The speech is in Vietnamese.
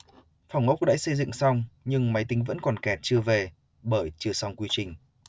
phòng ốc đã xây dựng xong nhưng máy tính vẫn còn kẹt chưa về bởi chưa xong quy trình